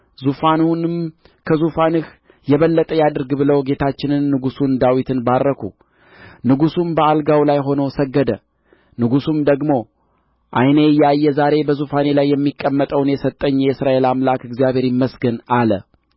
ዙፋኑንም ከዙፋንህ የበለጠ ያድርግ ብለው ጌታችንን ንጉሡን ዳዊትን ባረኩ ንጉሡም በአልጋው ላይ ሆኖ ሰገደ ንጉሡም ደግሞ ዓይኔ እያየ ዛሬ በዙፋኔ ላይ የሚቀመጠውን የሰጠኝ የእስራኤል አምላክ እግዚአብሔር ይመስገን አለ